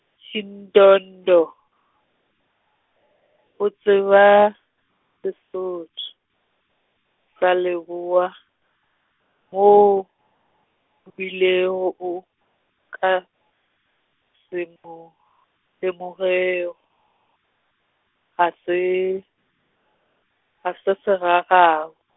Shidondho, o tseba Sesotho, sa Leboa, mo o o bilego, o ka, se mo, lemoge, ga se, ga se segagabo.